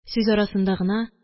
Сүз арасында гына: